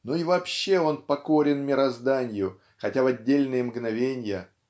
но и вообще он покорен мирозданью хотя в отдельные мгновенья